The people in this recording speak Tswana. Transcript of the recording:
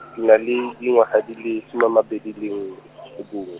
ke na le dingwaga di le, soma a mabedi le nngwe, o bongwe.